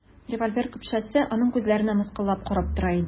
Револьвер көпшәсе аның күзләренә мыскыллап карап тора иде.